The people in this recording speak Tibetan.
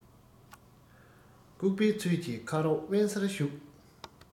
ལྐུགས པའི ཚུལ གྱིས ཁ རོག དབེན སར བཞུགས